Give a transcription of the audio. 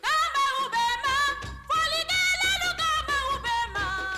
Kan b'aw bɛɛ ma, fɔlikɛlalu kan b'aw bɛɛ ma.